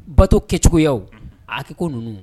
Bato kɛcogo akiko ninnu